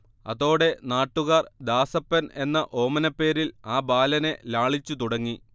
അതോടെ നാട്ടുകാർ ദാസപ്പൻ എന്ന ഓമനപ്പേരിൽ ആ ബാലനെ ലാളിച്ചു തുടങ്ങി